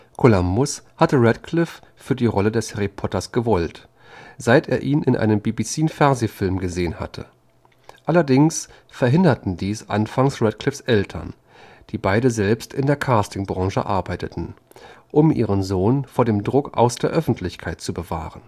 Columbus hatte Radcliffe für die Rolle des Harry Potter gewollt, seit er ihn in einem BBC-Fernsehfilm gesehen hatte. Allerdings verhinderten dies anfangs Radcliffes Eltern, die beide selbst in der Casting-Branche arbeiteten, um ihren Sohn vor dem Druck aus der Öffentlichkeit zu bewahren